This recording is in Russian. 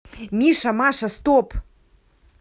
миша маша стоп